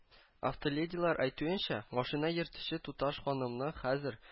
Автоледилар әйтүенчә, машина йөртүче туташ-ханымны хәзер